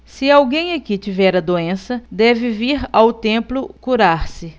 se alguém aqui tiver a doença deve vir ao templo curar-se